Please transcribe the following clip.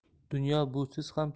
dunyo busiz ham